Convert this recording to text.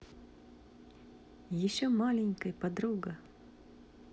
еще маленькой подруга